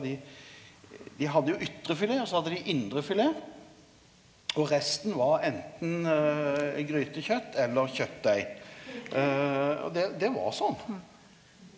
dei dei hadde jo ytrefilet og så hadde dei indrefilet, og resten var enten grytekjøtt eller kjøttdeig og det det var sånn.